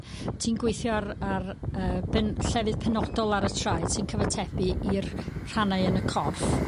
Ti'n gweithio ar ar yy ben- llefydd penodol ar y traed sy'n cyfatebu i'r rhannau yn y corff,